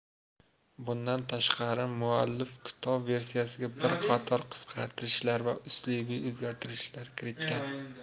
bundan tashqari muallif kitob versiyasiga bir qator qisqartirishlar va uslubiy o'zgartishlar kiritgan